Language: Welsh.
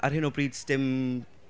Ar hyn o bryd sdim...